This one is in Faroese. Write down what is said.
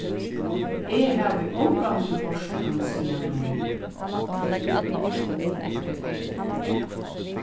eg havi ongantíð hoyrt hann siga nei